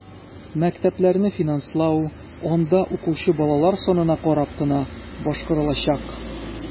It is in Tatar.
Мәктәпләрне финанслау анда укучы балалар санына карап кына башкарылачак.